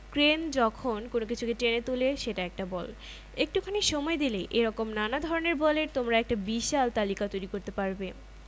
crane যখন কোনো কিছুকে টেনে তুলে সেটা একটা বল একটুখানি সময় দিলেই এ রকম নানা ধরনের বলের তোমরা একটা বিশাল তালিকা তৈরি করতে পারবে